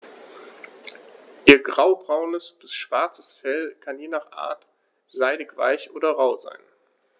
Ihr graubraunes bis schwarzes Fell kann je nach Art seidig-weich oder rau sein.